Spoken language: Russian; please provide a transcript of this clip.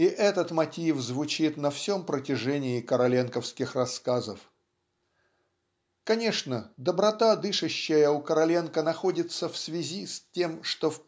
и этот мотив звучит на всем протяжении короленковских рассказов. Конечно доброта дышащая у Короленко находится в связи с тем что